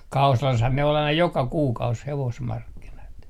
Kausalassahan ne oli aina joka kuukausi hevosmarkkinat